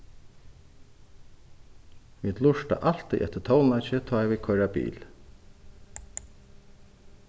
vit lurta altíð eftir tónleiki tá ið vit koyra bil